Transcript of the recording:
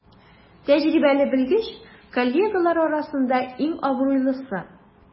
Тәҗрибәле белгеч коллегалары арасында иң абруйлысы.